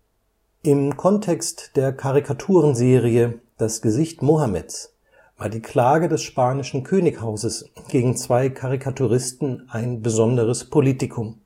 Im Kontext der Karikaturenserie Das Gesicht Mohammeds war die Klage des spanischen Königshauses gegen zwei Karikaturisten ein besonderes Politikum